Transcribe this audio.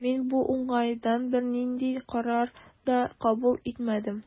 Мин бу уңайдан бернинди карар да кабул итмәдем.